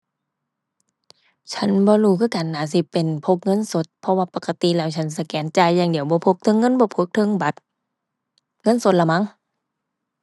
ฉันบ่รู้คือกัน น่าสิเป็นพกเงินสด เพราะว่าปกติแล้วฉันสแกนจ่ายอย่างเดียว บ่พกเทิงเงิน บ่พกเทิงบัตร เงินสดล่ะมั้ง